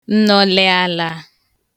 ǹnọ̀lèàlà